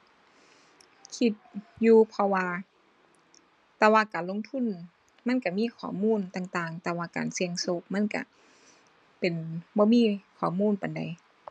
คิดอยู่ เพราะว่า แต่ว่าการลงทุนมันก็มีข้อมูลต่างต่าง แต่ว่าการเสี่ยงโชคมันก็เป็น บ่มีข้อมูลปานใด